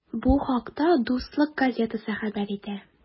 Бу хакта “Дуслык” газетасы хәбәр итә.